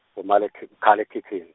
kumalek- makhalekhikhini.